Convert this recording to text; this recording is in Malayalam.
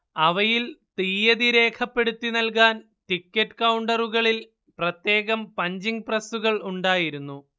അവയിൽ തിയ്യതി രേഖപ്പെടുത്തി നൽകാൻ ടിക്കറ്റ് കൗണ്ടറുകളിൽ പ്രത്യേകം പഞ്ചിങ് പ്രസ്സുകൾ ഉണ്ടായിരുന്നു